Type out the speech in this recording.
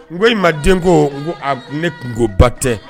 N ko in maden ko ko ne tunkoba tɛ